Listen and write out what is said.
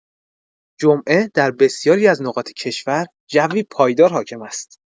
جمعه در بسیاری از نقاط کشور جوی پایدار حاکم است.